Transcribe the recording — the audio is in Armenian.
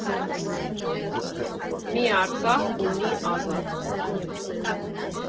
Մի Արցախ ու մի Ազատ։